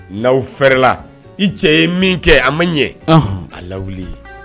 Naw fɛrɛla i cɛ ye min kɛ a ma ɲɛ a lawu ye